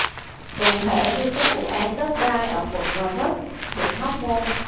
cụ thể như các vụ án đất đai ở quận gò vấp huyện hóc môn